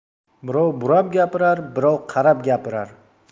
birov burab gapirar birov qarab gapirar